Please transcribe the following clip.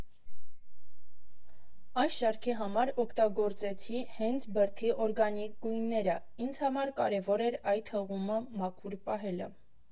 «Այս շարքի համար օգտագործեցի հենց բրդի օրգանիկ գույները, ինձ համար կարևոր էր այդ հղումը մաքուր պահելը։